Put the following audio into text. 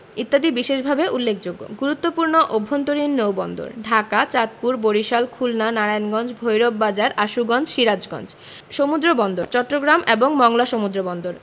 ইত্যাদি বিশেষভাবে উল্লেখযোগ্য গুরুত্বপূর্ণ অভ্যন্তরীণ নৌবন্দরঃ ঢাকা চাঁদপুর বরিশাল খুলনা নারায়ণগঞ্জ ভৈরব বাজার আশুগঞ্জ সিরাজগঞ্জ সমুদ্রবন্দরঃ চট্টগ্রাম এবং মংলা সমুদ্রবন্দর